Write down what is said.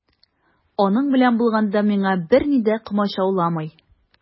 Аның белән булганда миңа берни дә комачауламый.